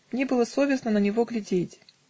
мне было совестно на него глядеть.